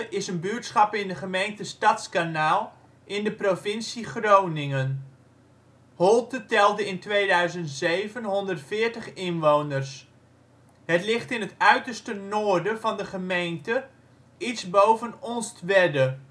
is een buurtschap in de gemeente Stadskanaal in de provincie Groningen. Holte telde in 2007 140 inwoners. Het ligt in het uiterste noorden van de gemeente, iets boven Onstwedde